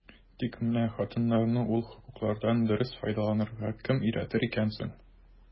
Тик менә хатыннарны ул хокуклардан дөрес файдаланырга кем өйрәтер икән соң?